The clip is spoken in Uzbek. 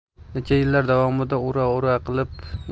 necha yillar davomida ura ura qilib